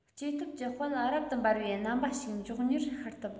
སྐྱེ སྟོབས ཀྱི དཔལ རབ ཏུ འབར བའི རྣམ པ ཞིག མགྱོགས མྱུར ཤར ཐུབ